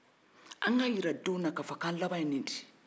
an ka yira denw na k'an laban ye nin de ye